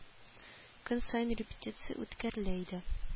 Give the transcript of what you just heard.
Көн саен репетиция үткәрелә иде